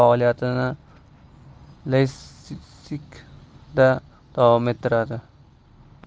olmo faoliyatini leypsig da davom ettiradi